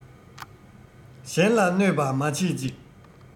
གཞན ལ གནོད པ མ བྱེད ཅིག